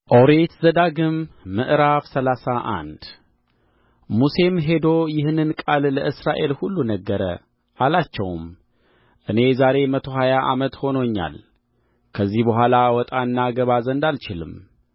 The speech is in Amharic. ኦሪት ዘዳግም ምዕራፍ ሰላሳ አንድ ሙሴም ሄዶ ይህንን ቃል ለእስራኤል ሁሉ ነገረ አላቸውም እኔ ዛሬ መቶ ሀያ ዓመት ሆኖኛል ከዚህ በኋላ እወጣና እገባ ዘንድ አልችልም